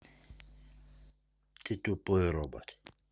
ты тупой робот